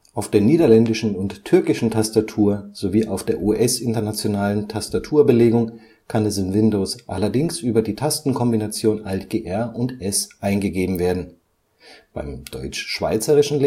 Auf der niederländischen und türkischen Tastatur sowie auf der US-internationalen Tastaturbelegung kann es in Windows allerdings über AltGr+S eingegeben werden, beim deutschschweizerischen